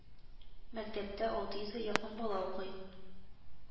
Мәктәптә алты йөзгә якын бала укый